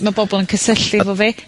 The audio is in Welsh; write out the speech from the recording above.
...ma' bobol yn cysylltu efo fi.